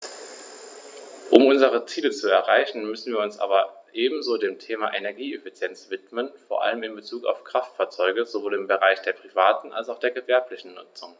Um unsere Ziele zu erreichen, müssen wir uns aber ebenso dem Thema Energieeffizienz widmen, vor allem in Bezug auf Kraftfahrzeuge - sowohl im Bereich der privaten als auch der gewerblichen Nutzung.